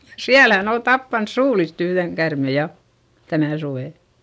siellä hän oli tappanut suulista yhden käärmeen ja tänä suvena